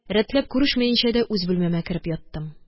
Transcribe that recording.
Рәтләп күрешмәенчә дә үз бүлмәмә кереп яттым